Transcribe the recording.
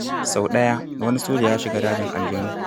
Sau ɗaya, wani soja ya shiga dajin aljanu.